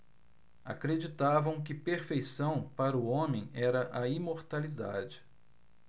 acreditavam que perfeição para o homem era a imortalidade